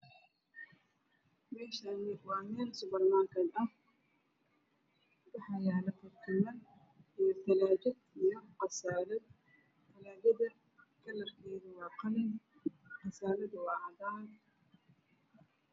Me Shani wa meel suburnatig ah waya yaalo qasaalad talajad casalad talajada kalaradodu wa qalin qasaalada wacadaan